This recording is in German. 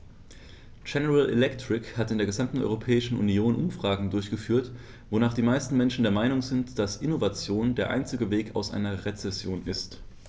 General Electric hat in der gesamten Europäischen Union Umfragen durchgeführt, wonach die meisten Menschen der Meinung sind, dass Innovation der einzige Weg aus einer Rezession ist.